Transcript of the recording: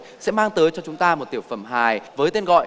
sẽ mang tới cho chúng ta một tiểu phẩm hài với tên gọi